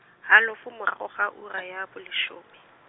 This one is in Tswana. halofo moro ga ura ya bolesome.